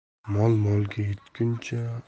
mol molga yetguncha